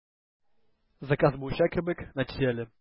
Заказ буенча кебек, нәтиҗәле.